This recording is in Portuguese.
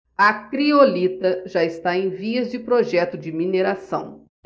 a criolita já está em vias de projeto de mineração